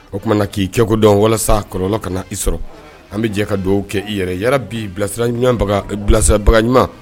O tumaumana k'i kɛ kodɔn walasa kɔlɔlɔnlɔ ka na i sɔrɔ an bɛ jɛ ka don kɛ i yɛrɛ yɛrɛ bi bilasirara ɲuman bilasirabaga ɲuman